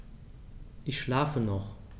Ich schlafe noch.